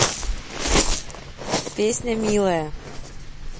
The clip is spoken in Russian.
песня милая